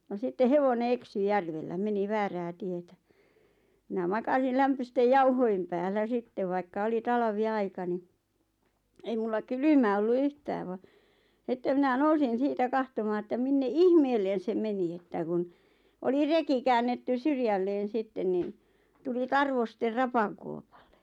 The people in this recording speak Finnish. no sitten hevonen eksyi järvellä meni väärään tietä minä makasin lämpöisten jauhojen päällä sitten vaikka oli talviaika niin ei minulla kylmä ollut yhtään vaan sitten minä nousin siitä katsomaan että minne ihmeelle se meni että kun oli reki käännetty syrjälleen sitten niin tuli tarvosten rapakuopalle